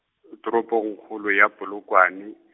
toropong kgolo ya Polokwane.